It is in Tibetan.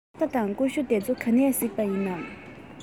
སྟར ཁ དང ཀུ ཤུ དེ ཚོ ག ནས གཟིགས པ